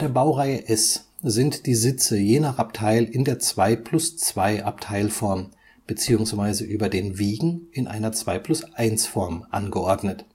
Baureihe S sind die Sitze je nach Abteil in der 2+2-Abteilform beziehungsweise über den Wiegen in einer 2+1-Form angeordnet